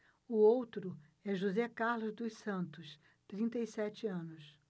o outro é josé carlos dos santos trinta e sete anos